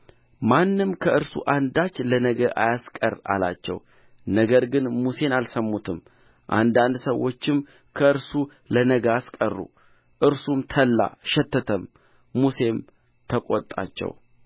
ማንም ከእርሱ አንዳች ለነገ አያስቀር አላቸው ነገር ግን ሙሴን አልሰሙትም አንዳንድ ሰዎችም ከእርሱ ለነገ አስቀሩ እርሱም ተላ ሸተተም ሙሴም ተቈጣቸው